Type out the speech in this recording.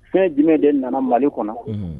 Fɛn jumɛn de nana mali kɔnɔ